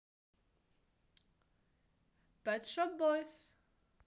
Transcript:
pet shop boys